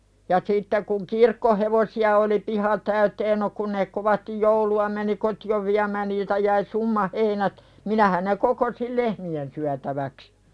ja sitten kun kirkkohevosia oli piha täyteen no kun ne kovasti joulua meni kotiin viemään niiltä jäi summa heinät minähän ne kokosin lehmien syötäväksi